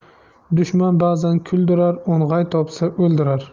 dushman ba'zan kuldirar o'ng'ay topsa o'ldirar